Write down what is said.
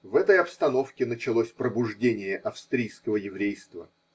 В этой обстановке началось пробуждение австрийского еврейства.